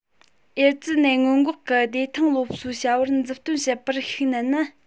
ཨེ ཙི ནད སྔོན འགོག གི བདེ ཐང སློབ གསོའི བྱ བར མཛུབ སྟོན བྱེད པར ཤུགས བསྣན ནས